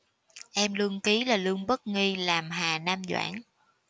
em lương ký là lương bất nghi làm hà nam doãn